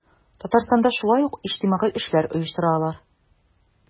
Татарстанда шулай ук иҗтимагый эшләр оештыралар.